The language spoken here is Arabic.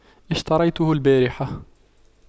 اشتريته البارحة